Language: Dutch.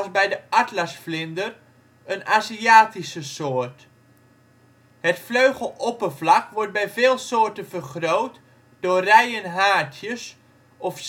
bij de atlasvlinder, een Aziatische soort. Het vleugeloppervlak wordt bij veel soorten vergroot door rijen haartjes of